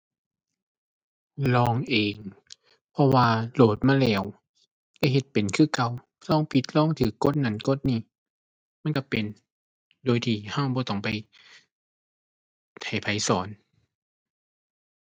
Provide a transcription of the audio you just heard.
ลองเอง เพราะว่าโหลดมาแล้วได้เฮ็ดเป็นคือเก่า ลองผิดลองถูก กดนั้นกดนี้ มันถูกเป็น โดยที่ถูกบ่ต้องไปให้ไผสอน